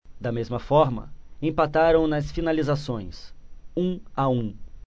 da mesma forma empataram nas finalizações um a um